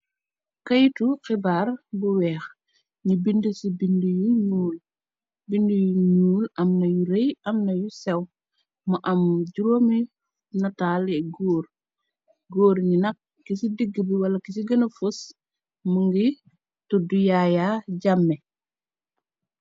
Keytu xibaar bu weex ñi bind ci bind yu ñuul benda yu nuul amna yu rëy amna yu sew mu am juróomi nataale góor gñi naq ki ci digg bi wala ki ci gëna fos mu ngi tuddu Yaya Jammeh.